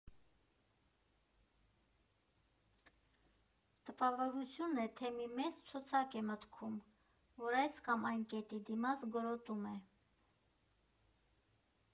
Տպավորություն է, թե մի մեծ ցուցակ է մտքում, որի այս կամ այն կետի դիմաց գրոտում է։